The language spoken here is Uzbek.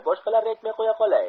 boshqalarni aytmay qo'ya qolay